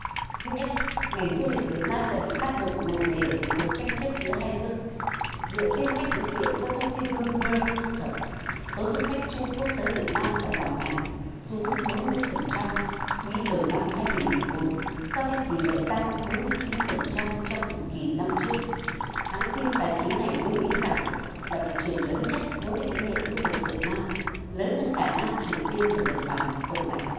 thứ nhất ngành du lịch việt nam đã bị tác động nặng nề vì cuộc tranh chấp giữa hai nước dựa trên các dữ kiện do công ty bờ lum bơ thu thập số du khách trung quốc tới việt nam đã giảm mạnh xuống bốn mươi phần trăm quý đầu năm hai nghìn mười bốn do cái tỷ lệ tăng bốn mươi chín phần trăm trong cùng kỳ năm trước hãng tin tài chính này lưu ý rằng là thị trường lớn nhất đối với kỹ nghệ du lịch việt nam lớn hơn cả nam triều tiên và nhật bản cộng lại